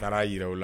A taara jira aw la